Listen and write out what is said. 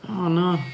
O no.